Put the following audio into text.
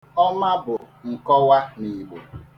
'Ọma' bụ nkọwa n'Igbo.